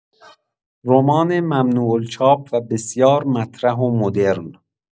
رمان ممنوع الچاپ و بسیار مطرح و مدرن